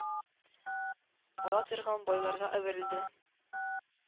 Ала торган байларга әверелде.